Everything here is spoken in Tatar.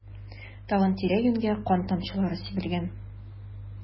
Тагын тирә-юньгә кан тамчылары сибелгән.